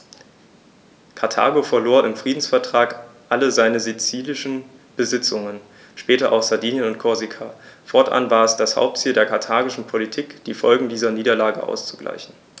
Karthago verlor im Friedensvertrag alle seine sizilischen Besitzungen (später auch Sardinien und Korsika); fortan war es das Hauptziel der karthagischen Politik, die Folgen dieser Niederlage auszugleichen.